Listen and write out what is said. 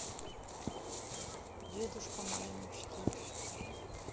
дедушка моей мечты